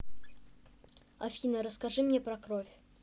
афина расскажи мне про кровь